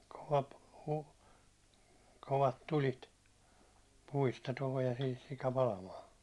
kova - kovat tulet puista tulee siihen sika palamaan